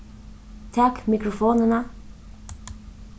tak mikrofonina